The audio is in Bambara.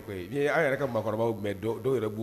n'i ye an yɛrɛ ka maakɔrɔbaw mɛn dɔw yɛrɛ b